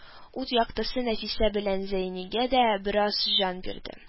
Ут яктысы Нәфисә белән Зәйнигә дә бераз җан бирде